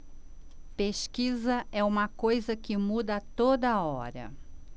pesquisa é uma coisa que muda a toda hora